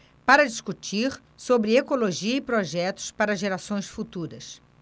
para discutir sobre ecologia e projetos para gerações futuras